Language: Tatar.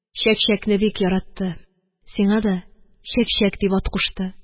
Чәкчәкне бик яратты, сиңа да Чәкчәк дип ат кушты.